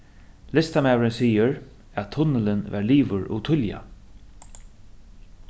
listamaðurin sigur at tunnilin var liðugur ov tíðliga